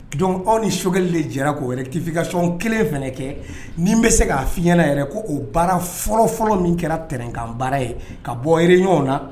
Dɔnkuc aw ni sokɛ de jɛra k' kiifin kasɔnɔn kelen kɛ nin bɛ se k'a fiyɲɛna yɛrɛ ko o baara fɔlɔfɔlɔ min kɛra tɛnɛnkan baara ye ka bɔ yiri ɲɔgɔnw na